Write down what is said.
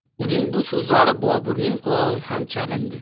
uning bu so'zlari boburning qulog'iga ham chalindi